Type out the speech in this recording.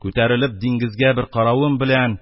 Күтәрелеп, диңгезгә бер каравым белән,